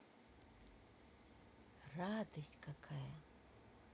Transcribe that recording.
радость какая